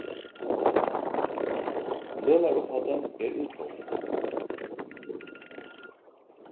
lønarupphæddin er útgoldin